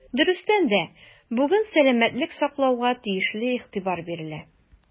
Дөрестән дә, бүген сәламәтлек саклауга тиешле игътибар бирелә.